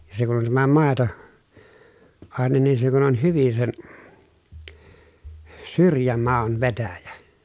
ja se kun on tämä - maitoaine niin se kun on hyvin sen syrjämaun vetäjä